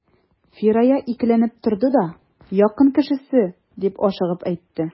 Фирая икеләнеп торды да: — Якын кешесе,— дип ашыгып әйтте.